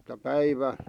että päivä